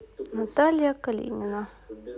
наталья калнина